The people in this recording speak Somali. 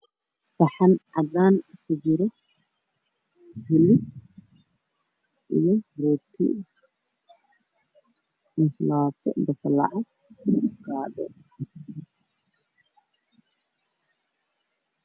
Waa saxan cad oo ku jira saliid aan salaato hilib miscaday iyo saaran yahay